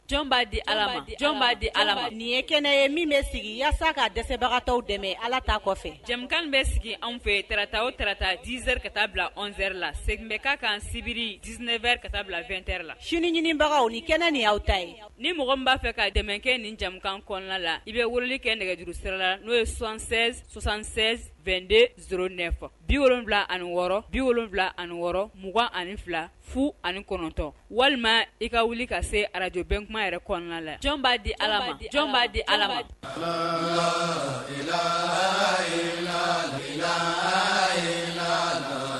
Jɔn b'a di jɔn b'a di ala nin ye kɛnɛ ye min bɛ sigi walasasa k ka dɛsɛbagataw dɛmɛ ala ta kɔfɛ jamu bɛ sigi an fɛ tta o tata dze ka taa bila zeri la segin bɛ ka kan sibiri dseɛrɛ ka taa bila2ɛ la su ɲinibagaw ni kɛnɛ ni aw ta ye ni mɔgɔ b'a fɛ ka dɛmɛ kɛ nin jamana kɔnɔna la i bɛ wuli kɛ nɛgɛjurusɛ la n'o ye son7 sonsan72de s ne fɔ bi wolon wolonwula ani wɔɔrɔ bi wolonwula ani wɔɔrɔ 2ugan ani fila fu ani kɔnɔntɔn walima i ka wuli ka se arajbɛnkuma yɛrɛ kɔnɔna la jɔn b'a di'a di